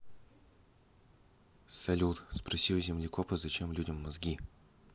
салют спроси у землекопа зачем людям мозги